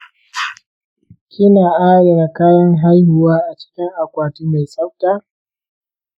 kina adana kayan haihuwa a cikin akwati mai tsafta?